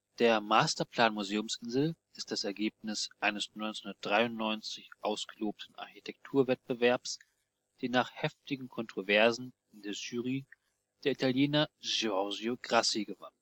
Der Masterplan Museumsinsel ist das Ergebnis eines 1993 ausgelobten Architekturwettbewerbs, den nach heftigen Kontroversen in der Jury der Italiener Giorgio Grassi gewann